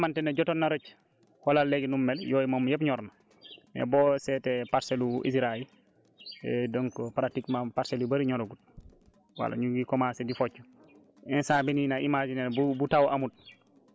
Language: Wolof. donc ñoom seen dugub bi dèjà bi nga xamante ne jotoon na rëcc xoolal léegi nu mu mel yooyu moom yëpp ñor na mais boo seetee parcelle lu ISRA yi donc pratiquement parcelles yu bëri ñoragul wala ñu ngi commencé di focc